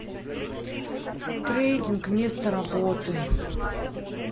трейдинг вместо работы